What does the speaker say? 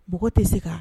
Npogo tɛ se kan